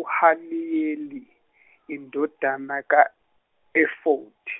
uHaliyeli indodana ka Efodi.